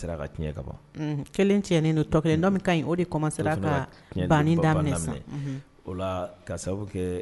Ka ban da o la ka sababu kɛ